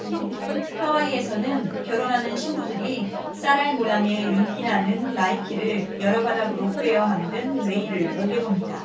하와이에서는 결혼하는 신부들이 쌀알 모양의 윤기 나는 라이키를 여러 가닥으로 꿰어 만든 레이를 목에 겁니다